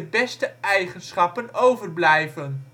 beste eigenschappen overblijven